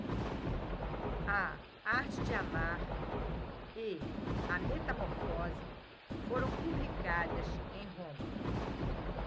a arte de amar e a metamorfose foram publicadas em roma